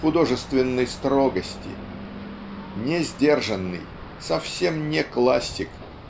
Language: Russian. художественной строгости. Не сдержанный совсем не классик